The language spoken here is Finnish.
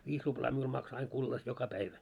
viisi ruplaa minulla maksoi aina kullassa joka päivä